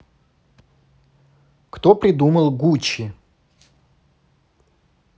кто придумал гуччи